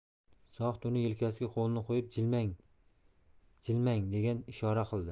zohid uni yelkasiga qo'lini qo'yib jilmang degan ishora qildi